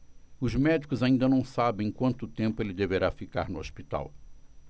os médicos ainda não sabem quanto tempo ele deverá ficar no hospital